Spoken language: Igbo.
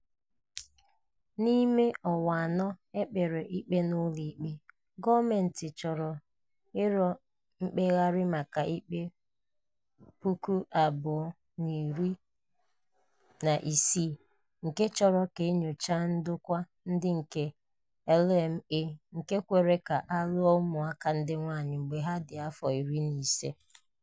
N’ime ọnwa anọ e kpere ikpe n’ụlọikpe, gọọmenti chọrọ ịrịọ mkpegharị maka ikpe 2016 nke chọrọ ka e nyochaa ndokwa ndị nke LMA nke kwere ka a lụọ ụmụaka ndị ngwaanyị mgbe ha dị afọ 15.